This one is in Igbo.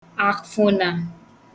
àkwfụ̀nà